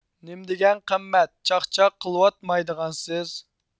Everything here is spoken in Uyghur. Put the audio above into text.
نېمىدېگەن قىممەت چاقچاق قىلىۋاتمايدىغانسىز